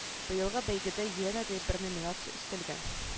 Быелгы бәйгедә янә дә бер номинация өстәлгән